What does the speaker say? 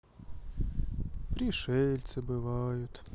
пришельцы бывают